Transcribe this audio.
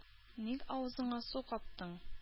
Ник авызыңа су каптың?